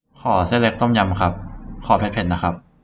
ขอเส้นเล็กต้มยำครับขอเผ็ดเผ็ดนะครับ